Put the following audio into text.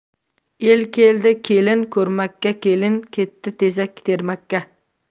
el keldi kelin ko'rmakka kelin ketdi tezak termakka